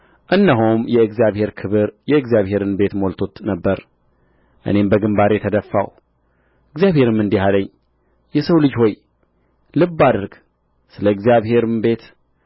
እነሆም የእግዚአብሔር ክብር የእግዚአብሔርን ቤት ሞልቶት ነበር እኔም በግምባሬ ተደፋሁ እግዚአብሔርም እንዲህ አለኝ የሰው ልጅ ሆይ ልብ አድርግ ስለ እግዚአብሔርም ቤት